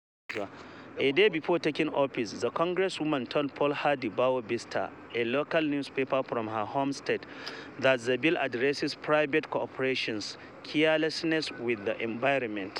A day before taking office, the congresswoman told Folha de Boa Vista, a local newspaper from her home state, that the bill addresses private corporations’ carelessness with the environment: